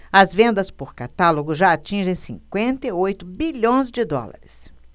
as vendas por catálogo já atingem cinquenta e oito bilhões de dólares